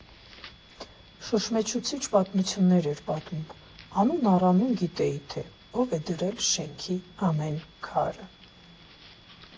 Շշմեցուցիչ պատմություններ էր պատմում՝ անուն առ անուն գիտեր, թե ով է դրել շենքի ամեն քարը։